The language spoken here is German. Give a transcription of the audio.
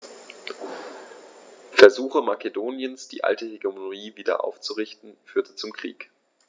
Versuche Makedoniens, die alte Hegemonie wieder aufzurichten, führten zum Krieg.